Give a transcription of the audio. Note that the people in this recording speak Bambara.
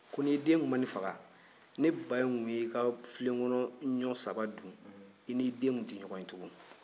ko n'i den tun ma nin faga ni ba in tun ye i ka filen kɔnɔ ɲɔ saba dun i n'i den tun tɛ ɲɔgɔn ye